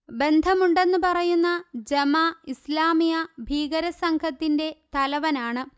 ബന്ധമുണ്ടെന്ന്പറയുന്ന Jemaah Islamiyah ഭീകരസംഘത്തിന്റെ തലവനാണ്